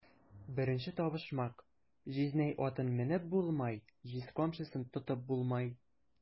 Беренче табышмак: "Җизнәй атын менеп булмай, җиз камчысын тотып булмай!"